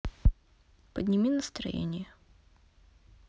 подними настроение